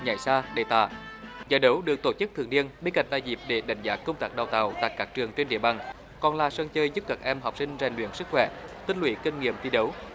nhảy xa đẩy tạ giải đấu được tổ chức thường niên bên cạnh là dịp để đánh giá công tác đào tạo tại các trường trên địa bàn còn là sân chơi giúp các em học sinh rèn luyện sức khỏe tích lũy kinh nghiệm thi đấu